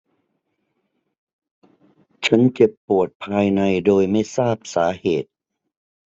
ฉันเจ็บปวดภายในโดยไม่ทราบสาเหตุ